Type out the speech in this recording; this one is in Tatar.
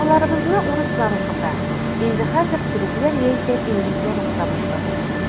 Балаларыбызны урыслар укыта, инде хәзер төрекләр яисә инглизләр укыта башлады.